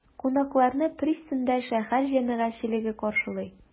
Кунакларны пристаньда шәһәр җәмәгатьчелеге каршылый.